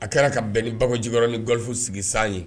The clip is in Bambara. A kɛra ka bɛn ni ba jkɔrɔ ni gaf sigisan ye